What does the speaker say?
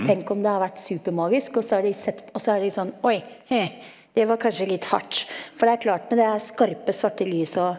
tenk om det har vært supermagisk, også har de sett også er det sånn oi det var kanskje litt hardt, for det er klart med det her skarpe, svarte lyset og.